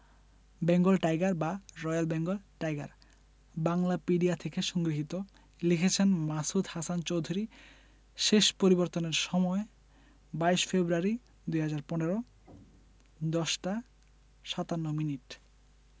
Bengal tiger বা royal Bengal tiger Banglapedia থেকে সংগৃহীত লিখেছেন মাসুদ হাসান চৌধুরী শেষ পরিবর্তনের সময় ২২ ফেব্রুয়ারি ২০১৫ ১০ টা ৫৭ মিনিট